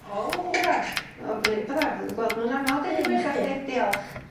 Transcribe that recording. O. Byddaf o bry- byddaf yn gweld nw'n amal deud y gwir thach chdi. Diolch.